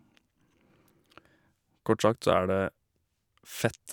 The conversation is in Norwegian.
Kort sagt så er det fett.